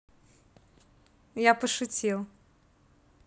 я пошутил